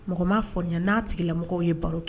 Mɔgɔ m'a fɔ n n'a tigilamɔgɔ ye baro kɛ